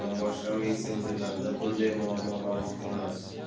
boshqa messenjerlarda bunday muammo mavjud emas